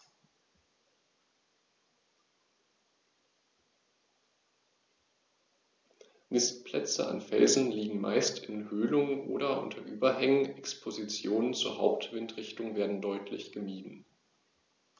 Nistplätze an Felsen liegen meist in Höhlungen oder unter Überhängen, Expositionen zur Hauptwindrichtung werden deutlich gemieden.